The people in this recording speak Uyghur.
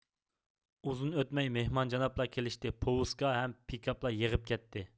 ئۇزۇن ئۆتمەي مېھمان جاناپلار كېلشتى پوۋۈسكا ھەم پىكاپلار يېغىپ كەتتى